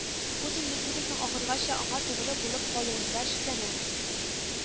Путин Медведевнең ахыргача аңа тугры булып калуында шикләнә